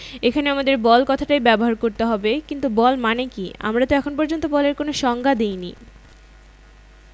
হঠাৎ গাড়ি চলতে শুরু করলে আমরা যেভাবে পেছনের দিকে একটা ঝাঁকুনি খাই সেটা হচ্ছে জড়তার উদাহরণ শরীরের নিচের অংশ গাড়ির সাথে লেগে আছে গাড়ির সাথে সাথে সেটা চলতে শুরু করেছে কিন্তু শরীরের ওপরের অংশ এখনো স্থির